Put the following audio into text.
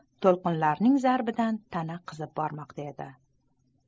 to'lqinlarning zarbidan tana qizib bormoqda edi